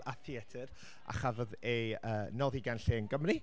A theatr, a chafodd ei yy noddi gan Llên Cymru.